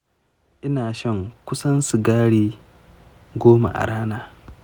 ina shan kusan sigari goma a rana.